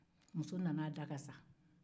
muso nana a da ka sa